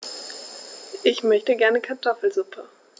Ich möchte gerne Kartoffelsuppe.